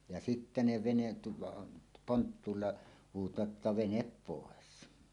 ja sitten ne veneet tuolla on ponttuulla huutavat että vene pois